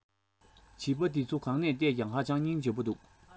བྱིས པ འདི ཚོ གང ནས ལྟས ཀྱང ཧ ཅང རྙིང རྗེ པོ འདུག